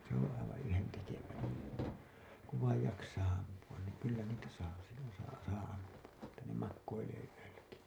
se on aivan yhdentekevää kun vain jaksaa ampua niin kyllä niitä saa silloin saa saa ampua että ne makoilee yölläkin